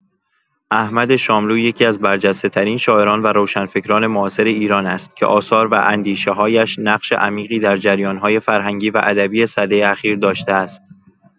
احمد شاملو یکی‌از برجسته‌ترین شاعران و روشنفکران معاصر ایران است که آثار و اندیشه‌هایش نقش عمیقی در جریان‌های فرهنگی و ادبی سده اخیر داشته است.